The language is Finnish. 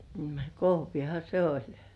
kohvihan se oli